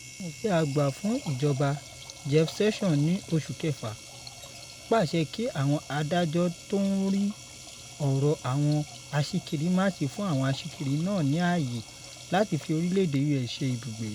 Amòfin àgbà fún ìjọba Jeff Sessions ní oṣù kẹfà pàṣẹ kí àwọn adájọ́ tó ń rí ọ̀rọ̀ àwọn aṣíkiri má ṣe fún àwọn aṣíkiri náà ni àyè láti fi orílẹ̀èdè US ṣe ibùgbé.